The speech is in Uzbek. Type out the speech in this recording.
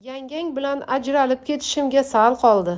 yangang bilan ajralib ketishimga sal qoldi